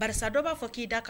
Bara dɔw b' fɔ k'i da kan